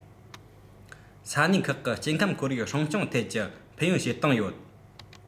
ས གནས ཁག གི སྐྱེ ཁམས ཁོར ཡུག སྲུང སྐྱོང ཐད ཀྱི ཕན ཡོད བྱེད སྟངས ཡོད